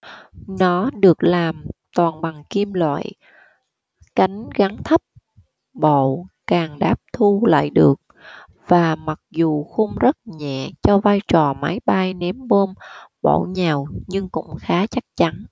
nó được làm toàn bằng kim loại cánh gắn thấp bộ càng đáp thu lại được và mặc dù khung rất nhẹ cho vai trò máy bay ném bom bổ nhào nhưng cũng khá chắc chắn